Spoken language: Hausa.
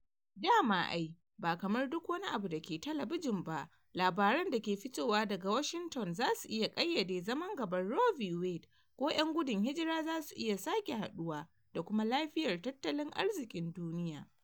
dama ai, ba kamar duk wani abu dake telebijin ba, labaran dake fitowa daga Washington zasu iya kayyade zaman gaban Roe v. Wade, ko ‘yan gudun hijira zasu iya sake haɗuwa da kuma lafiyar tattalin arzikin duniya.